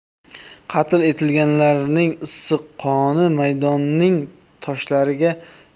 qatl etilganlarning issiq qoni maydonning toshlariga